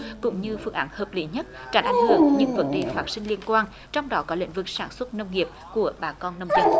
cũng như phương án hợp lý nhất tránh ảnh hưởng những vấn đề phát sinh liên quan trong đó có lĩnh vực sản xuất nông nghiệp của bà con nông dân